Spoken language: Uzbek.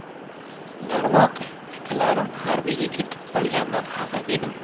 darvoqe akalarim harbiyga ketib qolganidan xafa edim